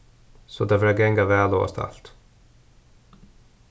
so tað fer at ganga væl hóast alt